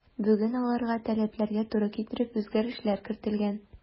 Бүген аларга таләпләргә туры китереп үзгәрешләр кертелгән.